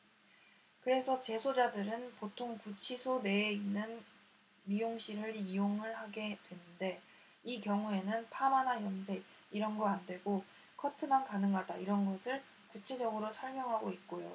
그래서 재소자들은 보통 구치소 내에 있는 미용실을 이용을 하게 되는데 이 경우에는 파마나 염색 이런 거 안 되고 커트만 가능하다 이런 것을 구체적으로 설명하고 있고요